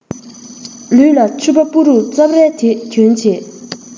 ལུས ལ ཕྱུ པ སྤུ རུབ རྩབ རལ དེ གྱོན བྱས